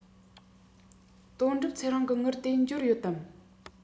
དོན གྲུབ ཚེ རིང གི དངུལ དེ འབྱོར ཡོད དམ